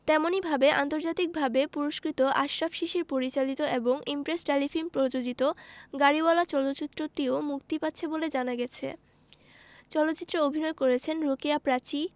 তেমনিভাবে আন্তর্জাতিকভাবে পুরস্কৃত আশরাফ শিশির পরিচালিত এবং ইমপ্রেস টেলিফিল্ম প্রযোজিত গাড়িওয়ালা চলচ্চিত্রটিও মুক্তি পাচ্ছে বলে জানা গেছে চলচ্চিত্রে অভিনয় করেছেন রোকেয়া প্রাচী